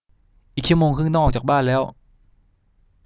อีกชั่วโมงครึ่งต้องออกจากบ้านแล้ว